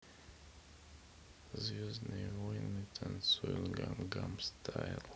звездные войны танцуют гангам стайл